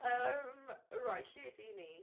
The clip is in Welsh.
Yym, reit, lle dyn ni?